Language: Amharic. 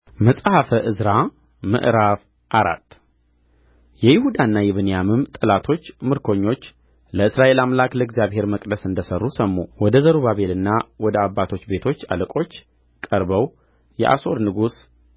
መጽሐፈ ዕዝራ ምዕራፍ አራት የይሁዳና የብንያምም ጠላቶች ምርኮኞቹ ለእስራኤል አምላክ ለእግዚአብሔር መቅደስ እንደ ሠሩ ሰሙ ወደ ዘሩባቤልና ወደ አባቶች ቤቶች አለቆች ቀርበው የአሦር ንጉሥ